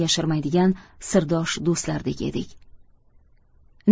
yashirmaydigan sirdosh do'stlardek edik